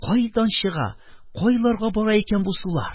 Кайдан чыга, кайларга бара икән бу сулар!